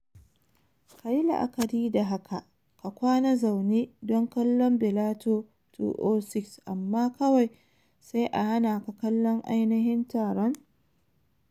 Ka yi la'akari da haka, ka kwana zaune don kallon Bellator 206 amma kawai sai a hana ka kallon ainihin taron.